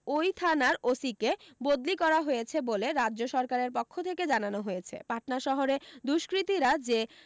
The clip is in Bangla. ওই থানার ও সিকে বদলি করা হয়েছে বলে রাজ্য সরকারের পক্ষ থেকে জানানো হয়েছে পাটনা শহরে দুষ্কৃতীরা যে